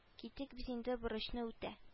Китик без инде бурычны үтә